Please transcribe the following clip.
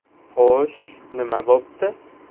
xo'sh nima bo'pti